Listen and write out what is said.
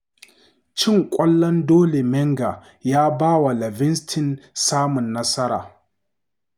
Cin ƙwallon Dolly Menga ya ba wa Livingston samun nasara